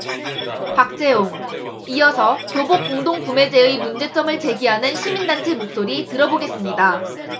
박재홍 이어서 교복공동구매제의 문제점을 제기하는 시민단체 목소리 들어보겠습니다